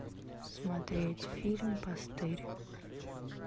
смотреть фильм пастырь